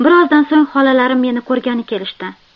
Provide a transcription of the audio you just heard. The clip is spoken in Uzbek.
bir ozdan so'ng xolalarim meni ko'rgani kelishdi